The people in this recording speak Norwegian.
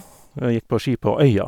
Gikk på ski på øya.